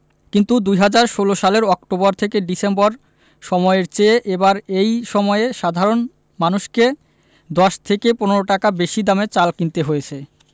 কিন্তু ২০১৬ সালের October December সময়ের চেয়ে এবার একই সময়ে সাধারণ মানুষকে ১০ থেকে ১৫ টাকা বেশি দামে চাল কিনতে হয়েছে